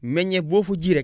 meññeef boo fa ji rek